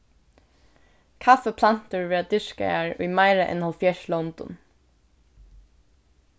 kaffiplantur verða dyrkaðar í meira enn hálvfjerðs londum